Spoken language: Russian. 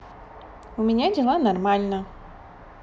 у меня дела нормально